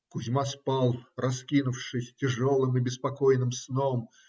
Кузьма спал, раскинувшись, тяжелым и беспокойным сном